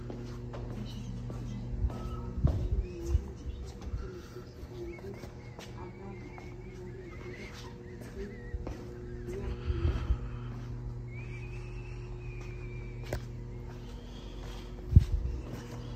Meeshaan waa meel banaan ah waxaa yaalo mishiin cadaan ah iyo biro, fiilo.